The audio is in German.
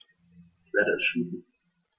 Ich werde es schließen.